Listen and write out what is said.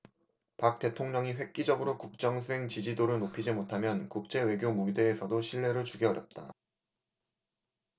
박 대통령이 획기적으로 국정수행지지도를 높이지 못하면 국제 외교 무대에서도 신뢰를 주기 어렵다